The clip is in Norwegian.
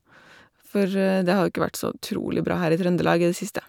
For det har jo ikke vært så utrolig bra her i Trøndelag i det siste.